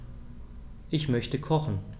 Ich möchte kochen.